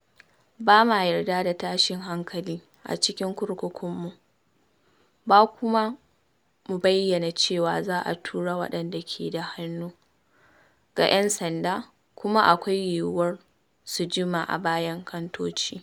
Ba ma yarda da tashin hankali a cikin kurkukunmu ba, kuma mun bayyana cewa za a tura waɗanda ke da hannu ga yan sanda kuma akwai yiwuwar su jima a bayan kantoci.”